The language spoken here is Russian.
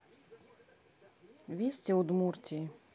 вести удмуртии